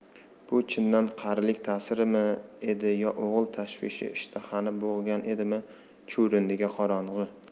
bu chindan qarilik ta'sirimi edi yo o'g'il tashvishi ishtahani bo'g'gan edimi chuvrindiga qorong'i